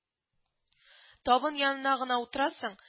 Табын янына гына утырасың